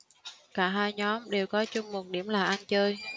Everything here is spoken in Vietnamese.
cả hai nhóm đều có chung một điểm là ăn chơi